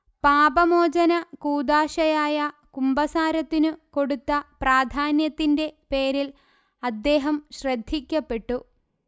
പാപമോചനകൂദാശയായ കുമ്പസാരത്തിനു കൊടുത്ത പ്രാധാന്യത്തിന്റെ പേരിൽ അദ്ദേഹം ശ്രദ്ധിക്കപ്പെട്ടു